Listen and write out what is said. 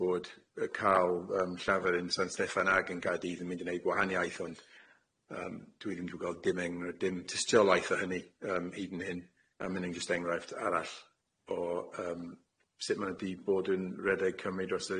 bod yy cal yym Llafyr yn San Steffan ag yn Caerdydd yn mynd i neud gwahaniaeth ond yym dwi ddim yn gweld dim eng- dim tystiolaeth o hynny yym hyd yn hyn a ma' hynny'n jyst enghraifft arall o yym sut ma' nw di bod yn rhedeg Cymru dros